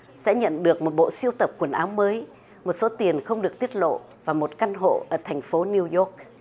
sẽ nhận được một bộ sưu tập quần áo mới một số tiền không được tiết lộ và một căn hộ ở thành phố niu oóc